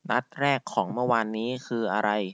นัดแรกของเมื่อวานนี้คืออะไร